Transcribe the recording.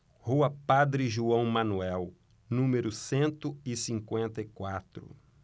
rua padre joão manuel número cento e cinquenta e quatro